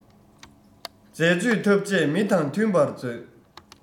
མཛད སྤྱོད ཐབས ཅད མི དང མཐུན པར མཛོད